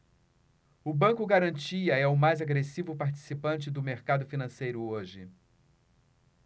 o banco garantia é o mais agressivo participante do mercado financeiro hoje